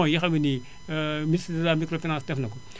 fonds yi nga xam ne nii ministre de la microfinance teg na ko